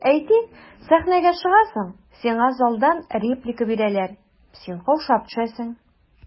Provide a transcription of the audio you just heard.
Әйтик, сәхнәгә чыгасың, сиңа залдан реплика бирәләр, син каушап төшәсең.